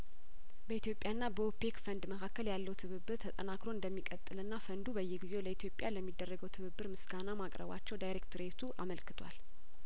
በኢትዮጵያ ና በኦፔክ ፈንድ መካከል ያለው ትብብር ተጠናክሮ እንደሚቀጥልና ፈንዱ በየጊዜው ለኢትዮጵያ ለሚያደርገው ትብብር ምስጋና ማቅረባቸው ዳይሬክትሬቱ አመልክቷል